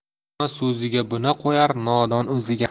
dono so'ziga bino qo'yar nodon o'ziga